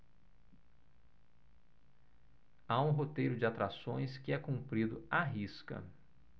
há um roteiro de atrações que é cumprido à risca